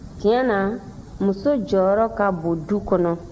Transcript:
tiɲɛ na muso jɔyɔrɔ ka bon du kɔnɔ